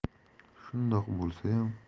shundoq bo'lsayam